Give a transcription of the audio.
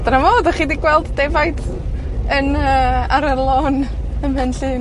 A dyna fo, 'dych chi 'di gweld defaid, yn y, ar y lôn. Ym Mhenllyn.